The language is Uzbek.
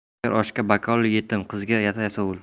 tayyor oshga bakovul yetim qizga yasovul